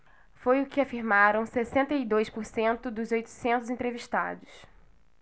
foi o que afirmaram sessenta e dois por cento dos oitocentos entrevistados